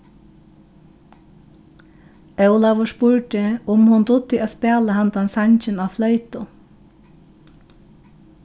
ólavur spurdi um hon dugdi at spæla handan sangin á floytu